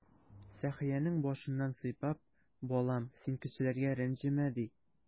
Сәхиянең башыннан сыйпап: "Балам, син кешеләргә рәнҗемә",— ди.